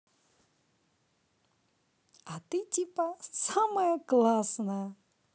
а ты типа самая классная